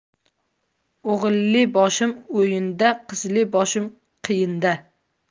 o'g'illi boshim o'yinda qizli boshim qiyinda